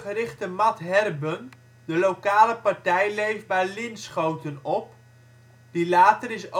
richtte Mat Herben de lokale partij Leefbaar Linschoten op die later is overgegaan